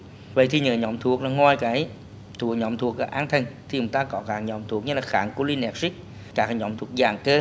vậy thì những nhóm thuốc là ngoài cái thuốc nhóm thuốc an thần thì chúng ta có cả nhóm thuốc như là kháng cô lin ẹc xít các cái nhóm thuốc giãn cơ